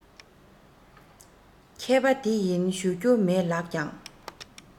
མཁས པ འདི ཡིན ཞུ རྒྱུ མེད ལགས ཀྱང